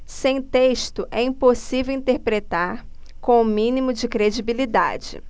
sem texto é impossível interpretar com o mínimo de credibilidade